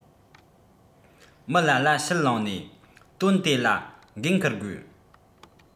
མི ལ ལ ཕྱིར ལང ནས དོན དེ ལ འགན འཁུར དགོས